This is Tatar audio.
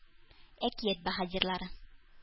Әкият баһадирлары